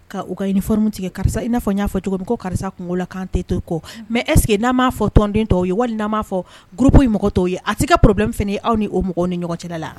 Ka o ka uniforme tigɛ, karisa i n'a fɔ y'a fɔ cogo min , ko karisa kungo la, k'an tɛ to kɔ mais est- ce que n'an m'a fɔ tɔnden tɔw ye, walima n'a ma fɔ groupe la den tɔw ye ,a tɛ ka probleme fana ye aw ni o mɔgɔw ni ɲɔgɔn cɛ la?